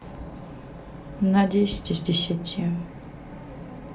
на десять из десяти